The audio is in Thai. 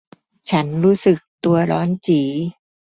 ฉันรู้สึกตัวร้อนจี๋